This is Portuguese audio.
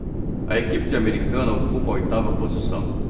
a equipe de americana ocupa a oitava posição